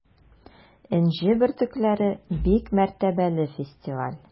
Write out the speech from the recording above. “энҗе бөртекләре” - бик мәртәбәле фестиваль.